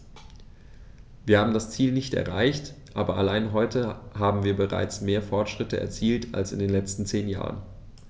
Wir haben das Ziel nicht erreicht, aber allein heute haben wir bereits mehr Fortschritte erzielt als in den letzten zehn Jahren.